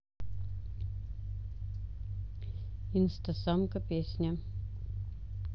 инстасамка песня